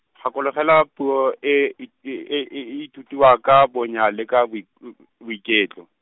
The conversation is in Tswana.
gakologelwa puo e i-, ithutiwa ka bonya le ka boi- , boiketlo.